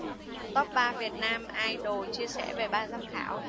top ba vietnam idol chia sẻ về ba giám khảo